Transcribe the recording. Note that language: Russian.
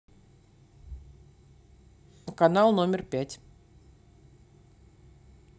канал номер пять